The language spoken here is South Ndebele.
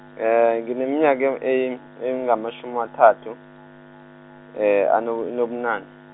ngineminyaka e- engamatjhumi amathathu, ano- nobunane.